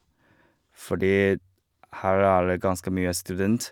Fordi her er det ganske mye student.